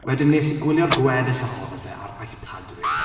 Wedyn nes i gwylio'r gweddill ohono fe ar iPad fi.